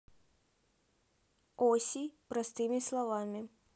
оси простыми словами